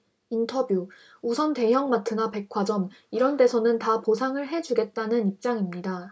인터뷰 우선 대형마트나 백화점 이런 데서는 다 보상을 해 주겠다는 입장입니다